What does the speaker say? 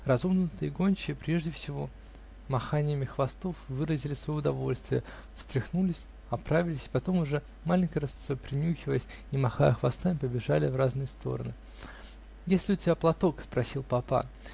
Разомкнутые гончие прежде всего маханиями хвостов выразили свое удовольствие, встряхнулись, оправились и потом уже маленькой рысцой, принюхиваясь и махая хвостами, побежали в разные стороны. -- Есть ли у тебя платок? -- спросил папа.